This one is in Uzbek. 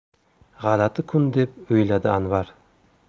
g'alati kun deb o'yladi anvar